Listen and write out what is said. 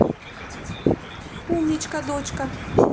умничка дочка